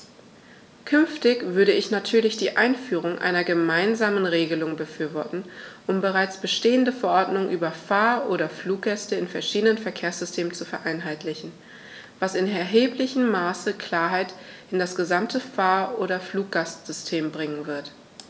Künftig würde ich natürlich die Einführung einer gemeinsamen Regelung befürworten, um bereits bestehende Verordnungen über Fahr- oder Fluggäste in verschiedenen Verkehrssystemen zu vereinheitlichen, was in erheblichem Maße Klarheit in das gesamte Fahr- oder Fluggastsystem bringen wird.